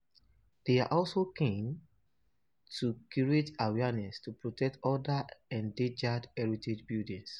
They are also keen to create awareness to protect other endangered heritage buildings.